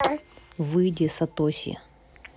выйди сатоси